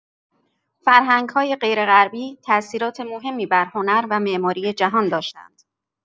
فرهنگ‌های غیرغربی تاثیرات مهمی بر هنر و معماری جهان داشته‌اند.